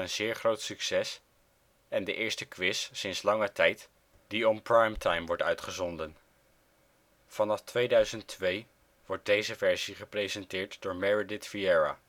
zeer groot succes, en de eerste quiz sinds lange tijd die om prime time wordt uitgezonden. Vanaf 2002 wordt deze versie gepresenteerd door Meredith Vieira